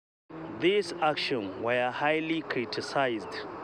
These actions were highly criticized.